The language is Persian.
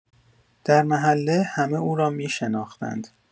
در محله همه او را می‌شناختند.